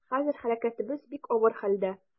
Хәзер хәрәкәтебез бик авыр хәлдә.